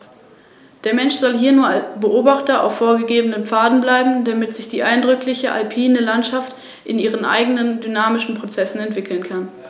Länderübergreifende zoologische und botanische Artenschutzkonzepte dienen als Grundlage für die zukünftige Naturschutzarbeit, zur Information der Bevölkerung und für die konkrete Biotoppflege.